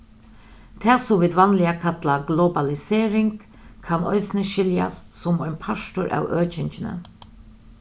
tað sum vit vanliga kalla globalisering kann eisini skiljast sum ein partur av økingini